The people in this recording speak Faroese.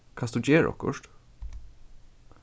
kanst tú gera okkurt